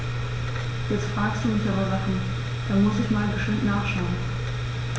Jetzt fragst du mich aber Sachen. Da muss ich mal geschwind nachschauen.